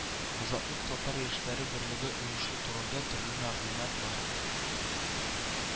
Азатлык татар яшьләре берлеге оешу турында төрле мәгълүмат бар